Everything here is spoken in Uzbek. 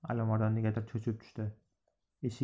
alimardon negadir cho'chib tushdi